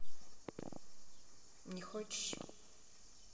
не хочешь